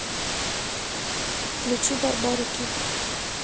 включи барбарики